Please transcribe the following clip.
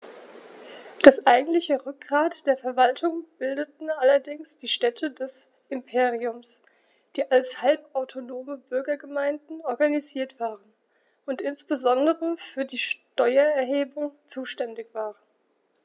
Das eigentliche Rückgrat der Verwaltung bildeten allerdings die Städte des Imperiums, die als halbautonome Bürgergemeinden organisiert waren und insbesondere für die Steuererhebung zuständig waren.